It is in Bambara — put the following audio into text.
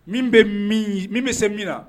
Min bɛ min min bɛ se min na